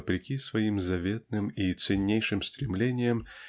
вопреки своим заветным и ценнейшим стремлениям